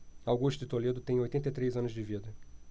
augusto de toledo tem oitenta e três anos de vida